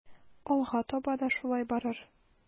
Алга таба да шулай барыр.